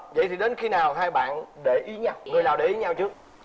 vậy thì đến khi nào hai bạn để ý nhau người nào để ý nhau trước